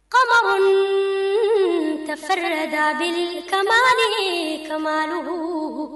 Kabasonin tɛfe da kamalenin kadugu